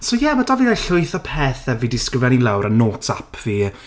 So, ie. Ma' 'da fi like llwyth o pethau fi 'di sgrifennu lawr ar notes app fi.